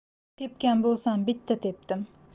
tepgan bo'lsam bitta tepdim